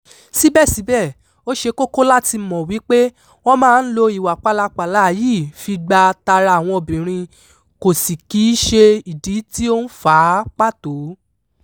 Síbẹ̀síbẹ̀, ó ṣe kókó láti mọ̀ wípé wọn máa ń lo ìwà pálapàla yìí fi gba tara àwọn obìnrin, kò sì kìí ṣe ìdí tí ó ń fà á pàtó.